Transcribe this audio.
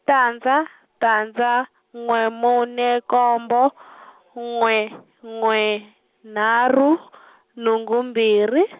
tandza tandza n'we mune nkombo, n'we n'we nharhu nhungu mbirhi.